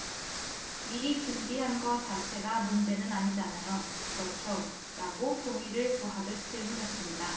미리 준비한 거 자체가 문제는 아니잖아요 그렇죠 라고 동의를 구하듯 질문했습니다